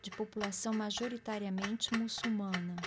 de população majoritariamente muçulmana